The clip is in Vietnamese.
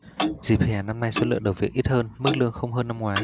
dịp hè năm nay số lượng đầu việc ít hơn mức lương không hơn năm ngoái